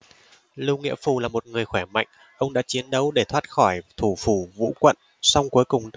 lưu nghĩa phù là một người khỏe mạnh ông đã chiến đấu để thoát khỏi thủ phủ của vũ quận song cuối cùng